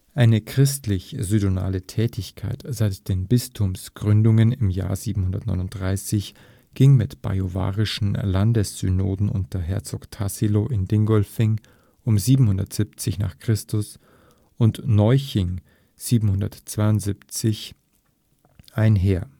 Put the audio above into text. Eine christlich synodale Tätigkeit seit den Bistumsgründungen im Jahr 739 ging mit bajuwarischen Landessynoden unter Herzog Tassilo in Dingolfing um 770 n. Chr. und Neuching 772 einher